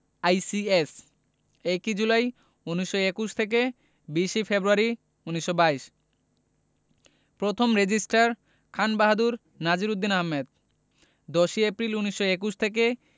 ICS ১ July ১৯২১ থেকে ২০ February ১৯২২ প্রথম registrar Khan Bahadur Nazir Uddin Ahmed ১০ April ১৯২১ থেকে